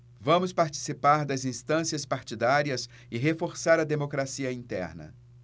vamos participar das instâncias partidárias e reforçar a democracia interna